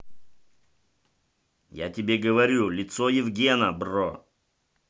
я тебе говорю лицо евгена бро